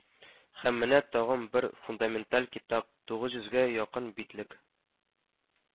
Һәм менә тагын бер фундаменталь китап тугыз йөзгә якын битлек